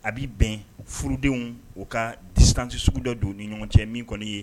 A b'i bɛn furudenw o ka distances sugu dɔ don o ni ɲɔgɔn cɛ min kɔnni ye